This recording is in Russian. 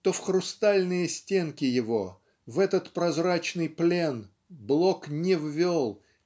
то в хрустальные стенки его в этот прозрачный плен Блок не ввел